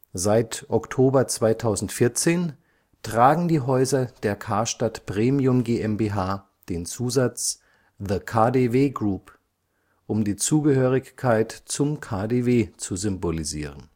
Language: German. Seit Oktober 2014 tragen die Häuser der Karstadt Premium GmbH den Zusatz „ The KaDeWe Group “, um die Zugehörigkeit zum KaDeWe zu symbolisieren